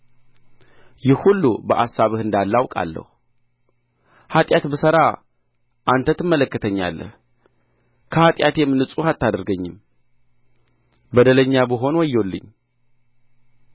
ይህ ሁሉ በአሳብህ እንዳለ አውቃለሁ ኃጢአት ብሠራ አንተ ትመለከተኛለህ ከኃጢአቴም ንጹሕ አታደርገኝም በደለኛ ብሆን ወዮልኝ